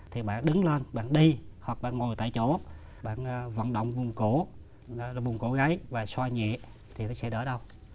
thì bạn đứng lên bạn đi hoặc ngồi tại chỗ bạn vận động vùng cổ vùng cổ gáy và xoa nhẹ thì nó sẽ đỡ đau